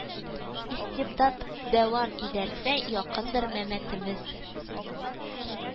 Истибдад дәвам идәрсә, якындыр мәмәтемез